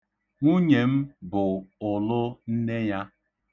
Nwunye m bụ ụlụ nne ya.